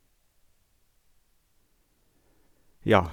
Ja.